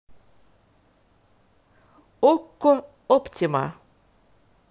okko оптима